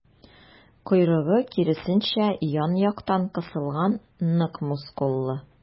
Койрыгы, киресенчә, ян-яктан кысылган, нык мускуллы.